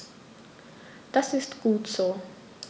Das ist gut so.